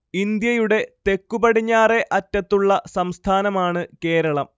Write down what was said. ഇന്ത്യയുടെ തെക്കുപടിഞ്ഞാറെ അറ്റത്തുള്ള സംസ്ഥാനമാണ് കേരളം